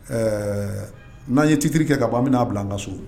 Ɛɛ n'an ye titiriri kɛ ka ban an bɛ n'a bila an ka so